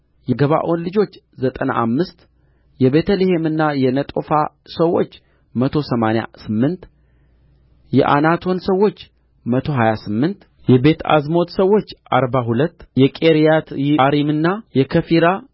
የገባዖን ልጆች ዘጠና አምስት የቤተ ልሔምና የነጦፋ ሰዎች መቶ ሰማንያ ስምንት የዓናቶች ሰዎች መቶ ሀያ ስምንት የቤትዓዝሞት ሰዎች አርባ ሁለት የቂርያትይዓሪምና የከፊራ